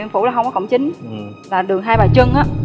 phủ là không có cổng chính và đường hai bà trưng á